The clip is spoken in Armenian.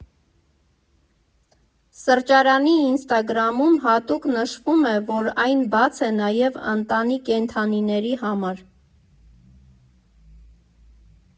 Սրճարանի ինստագրամում հատուկ նշվում է, որ այն բաց է նաև ընտանի կենդանիների համար։